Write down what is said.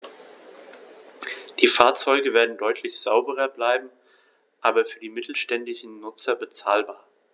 Die Fahrzeuge werden deutlich sauberer, bleiben aber für die mittelständischen Nutzer bezahlbar.